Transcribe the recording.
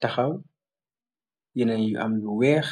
Tahaw, yenen yi am lu weeh .